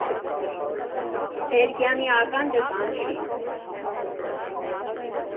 Բերգայնի ականջը կանչի։